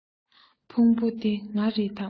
ཕུང བོ འདི ང རེད དམ